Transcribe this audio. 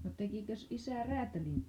no tekikös isä räätälin